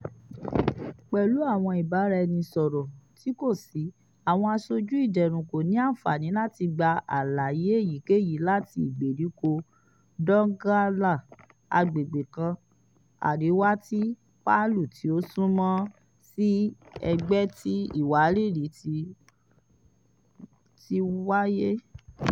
Pẹ̀lú àwọn ìbáraẹnisọ̀rọ̀ tí kò sí, àwọn aṣojú ìdẹrùn kò ní ànfàní láti gba àlàyé èyíkèyí láti ìgberíko Donggala, agbègbè kan àríwá ti Palu tí ó súnmọ́ sí ẹ̀gbẹ́ ti ìwárìrì tí wiwa 7.5.